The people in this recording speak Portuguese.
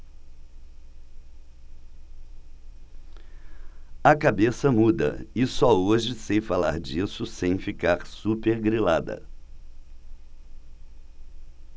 a cabeça muda e só hoje sei falar disso sem ficar supergrilada